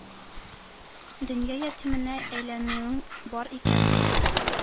Дөнья ятименә әйләнүең бар икән бит...